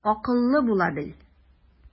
Акыллы була бел.